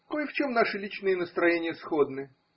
Кое в чем наши личные настроения сходны.